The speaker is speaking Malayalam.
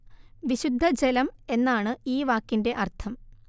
വിശുദ്ധ ജലം എന്നാണ് ഈ വാക്കിന്റെ അർത്ഥം